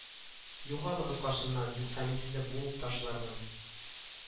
Югалыгыз каршымнан юкса мин сезне буып ташлармын